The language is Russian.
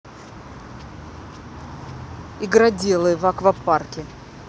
игроделы в аквапарке